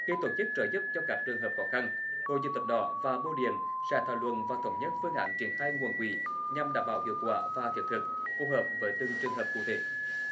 khi tổ chức trợ giúp cho các trường hợp khó khăn hội chữ thập đỏ và bưu điện sẽ thảo luận và thống nhất phương án triển khai nguồn quỹ nhằm đảm bảo hiệu quả và thiết thực phù hợp với từng trường hợp cụ thể